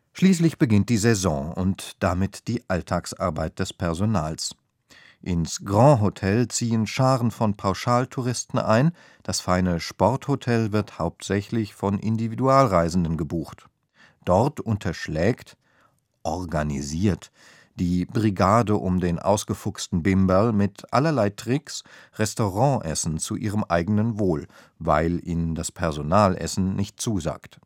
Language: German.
Schließlich beginnt die Saison und damit die Alltagsarbeit des Personals. Ins Grand-Hotel ziehen Scharen von Pauschaltouristen ein, das feine Sporthotel wird hauptsächlich von Individualreisenden gebucht. Dort unterschlägt („ organisiert “) die Brigade um den ausgefuchsten Bimberl mit allerlei Tricks Restaurantessen zu ihrem eigenen Wohl, weil ihnen das Personalessen nicht zusagt